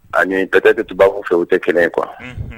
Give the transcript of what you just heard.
A tatɛ tɛ tubaga fɛ u tɛ kelen ye kuwa